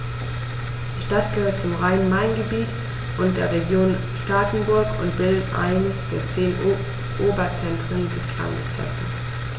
Die Stadt gehört zum Rhein-Main-Gebiet und der Region Starkenburg und bildet eines der zehn Oberzentren des Landes Hessen.